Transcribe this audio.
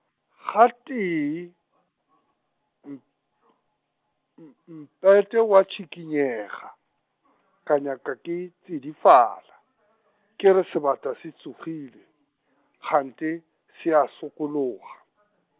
ga tee , m-, m- Mpete wa tsikinyega, ka nyaka ke tšidifala, ke re sebata se tsogile, kganthe, se a sokologa .